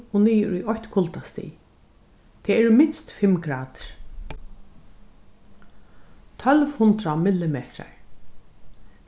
og niður í eitt kuldastig tað eru minst fimm gradir tólv hundrað millimetrar